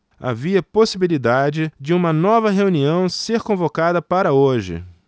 havia possibilidade de uma nova reunião ser convocada para hoje